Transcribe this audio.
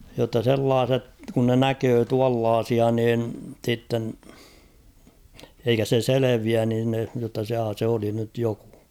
jotta sellaiset kun ne näkee tuollaisia niin sitten eikä se selviä niin ne jotta jaa se oli nyt joku